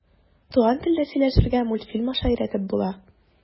Туган телдә сөйләшергә мультфильм аша өйрәтеп була.